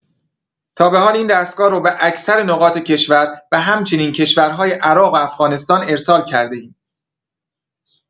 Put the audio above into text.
تا بحال این دستگاه رو به اکثر نقاط کشور و همچنین کشورهای عراق و افغانستان ارسال کرده‌ایم.